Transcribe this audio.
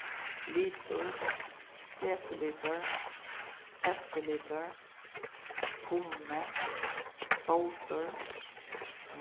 litur desilitur sentilitur tummi fótur